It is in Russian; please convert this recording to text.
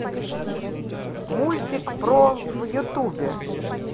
мультик про в ютубе